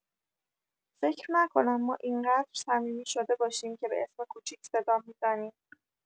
فکر نکنم ما اینقدر صمیمی شده باشیم که به اسم کوچیک صدام می‌زنی!